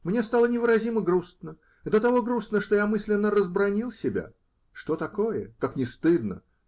Мне стало невыразимо грустно, до того грустно, что я мысленно разбранил себя. Что такое? Как не стыдно?